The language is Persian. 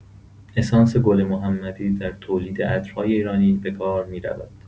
اسانس گل‌محمدی در تولید عطرهای ایرانی به‌کار می‌رود.